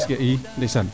paƴaas ke i